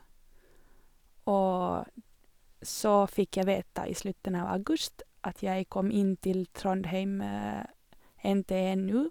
Og så fikk jeg vite i slutten av august at jeg kom inn til Trondheim NTNU.